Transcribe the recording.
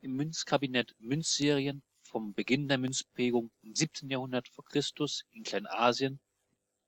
Münzkabinett Münzserien vom Beginn der Münzprägung im 7. Jahrhundert v. Chr. in Kleinasien